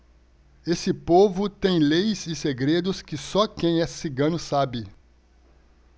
esse povo tem leis e segredos que só quem é cigano sabe